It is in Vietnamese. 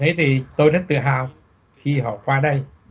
thế thì tôi rất tự hào khi họ qua đây